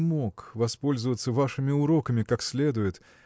не мог воспользоваться вашими уроками как следует